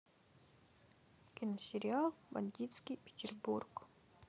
киносериал бандитский петербург